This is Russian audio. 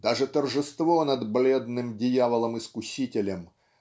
даже торжество над бледным дьяволом-искусителем